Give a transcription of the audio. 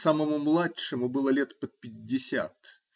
Самому младшему было лет под пятьдесят.